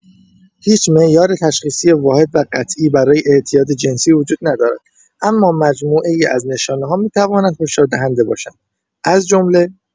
هیچ معیار تشخیصی واحد و قطعی برای اعتیاد جنسی وجود ندارد، اما مجموعه‌ای از نشانه‌ها می‌تواند هشداردهنده باشد، از جمله: